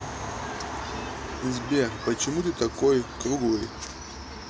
сбер почему ты такой круглый